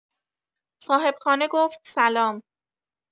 صاحبخانه گفت سلام.